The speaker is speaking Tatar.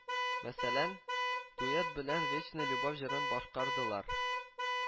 Мәсәлән, дуэт белән “Вечная любовь” җырын башкардылар